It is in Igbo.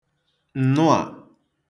ǹnụà